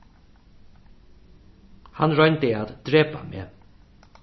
hann royndi at drepa meg